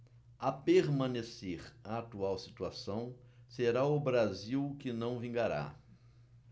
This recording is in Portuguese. a permanecer a atual situação será o brasil que não vingará